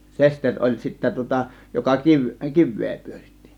sesteri oli sitten tuota joka - kiveä pyöritti